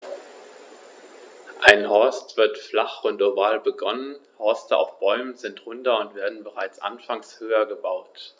Ein Horst wird flach und oval begonnen, Horste auf Bäumen sind runder und werden bereits anfangs höher gebaut.